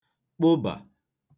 kpụbà